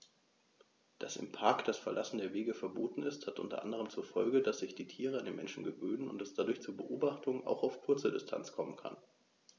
Dass im Park das Verlassen der Wege verboten ist, hat unter anderem zur Folge, dass sich die Tiere an die Menschen gewöhnen und es dadurch zu Beobachtungen auch auf kurze Distanz kommen kann.